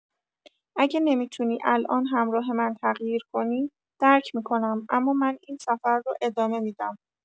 اگه نمی‌تونی الان همراه من تغییر کنی، درک می‌کنم، اما من این سفر رو ادامه می‌دم.